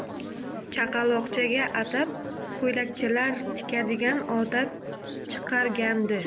chaqaloqchaga atab ko'ylakchalar tikadigan odat chiqargandi